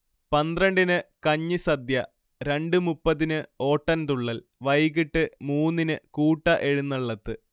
പന്ത്രണ്ടിന്‌ കഞ്ഞിസദ്യ, രണ്ടുമുപ്പത്തിന് ഓട്ടൻതുള്ളൽ, വൈകീട്ട് മൂന്നിന് കൂട്ടഎഴുന്നള്ളത്ത്